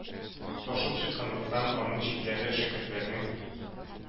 Ташып чыкканлыктан, аның читләре шәкертләрнең